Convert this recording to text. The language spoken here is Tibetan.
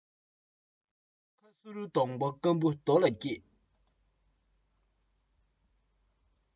ཁ སུར སྡོང པོ སྐམ པོའི རྡོ ལ སྐྱེས